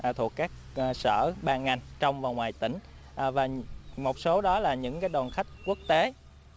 thuộc các cơ sở ban ngành trong và ngoài tỉnh ờ và một số đó là những cái đoàn khách quốc tế